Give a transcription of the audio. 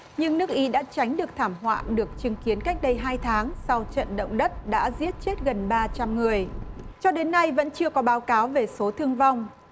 nhưng nước ý đã tránh được thảm họa được chứng kiến cách đây hai tháng sau trận động đất đã giết chết gần ba trăm người cho đến nay vẫn chưa có báo cáo về số thương vong